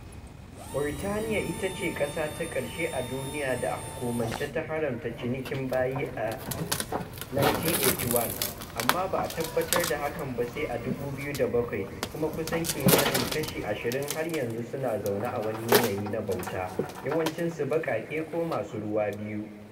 Mauritaniya ita ce ƙasa ta ƙarshe a duniya da a hukumance ta haramta cinikin bayi a 1981, amma ba a tabbatar da hakan ba sai a 2007 kuma kusan kimanin kashi 20 har yanzu suna zaune a wani yanayi na bauta, yawancinsu baƙaƙe ko masu ruwa biyu.